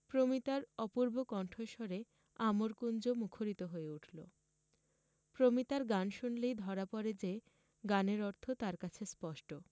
প্রমিতার অপূর্ব কন্ঠস্বরে আমরকূঞ্জ মুখরিত হয়ে উঠল প্রমিতার গান শুনলেই ধরা পড়ে যে গানের অর্থ তার কাছে স্পষ্ট